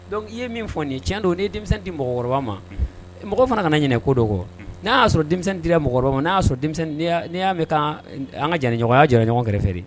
Dɔnku i ye min fɔ nin cɛn don n ye denmisɛnninmi di mɔgɔkɔrɔba ma mɔgɔ fana kana ɲ ko dɔ kɔ n'a y'a sɔrɔ denmisɛnninmi dira mɔgɔkɔrɔba ma n y'a sɔrɔ'i y'a mɛn an ka jɛnɛɲɔgɔnya jara ɲɔgɔn kɛrɛfɛ